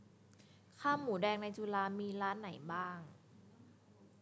ข้าวหมูแดงในจุฬามีร้านไหนบ้าง